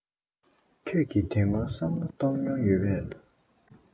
ཁྱེད ཀྱིད དེ སྔོན བསམ བློ བཏང མྱོང ཡོད པས